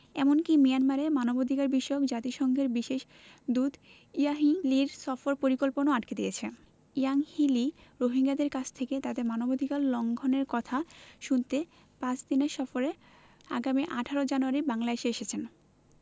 এমনকি মিয়ানমারে মানবাধিকারবিষয়ক জাতিসংঘের বিশেষ দূত ইয়াংহি লির সফর পরিকল্পনাও আটকে দিয়েছে ইয়াংহি লি রোহিঙ্গাদের কাছ থেকে তাদের মানবাধিকার লঙ্ঘনের কথা শুনতে পাঁচ দিনের সফরে আগামী ১৮ জানুয়ারি বাংলাদেশে আসছেন